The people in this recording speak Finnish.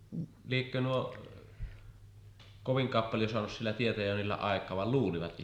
liekö nuo kovinkaan paljon saanut sillä tietoja niillä aikaan vaan luulivat itse